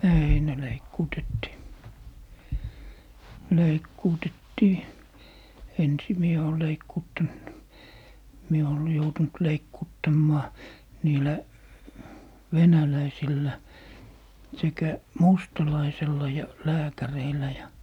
ei ne leikkuutettiin leikkuutettiin ensin minä olen leikkuuttanut minä olen joutunut leikkuuttamaan niillä venäläisillä sekä mustalaisella ja lääkäreillä ja